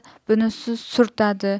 bunisi surtadi